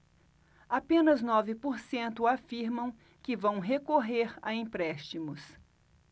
apenas nove por cento afirmam que vão recorrer a empréstimos